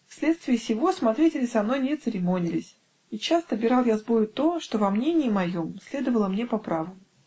Вследствие сего смотрители со мною не церемонились, и часто бирал я с бою то, что, во мнении моем, следовало мне по праву.